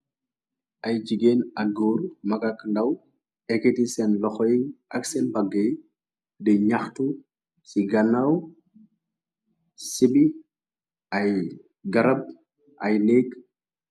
Ay jigéen ak góor magak ndaw eketi seen loxoy ak seen baggey di ñaxtu ci gannaaw si bi ay garab ay neek.